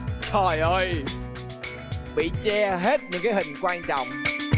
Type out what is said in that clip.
trời ơi bị che hết những cái hình quan trọng